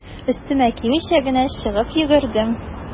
Өстемә кимичә генә чыгып йөгердем.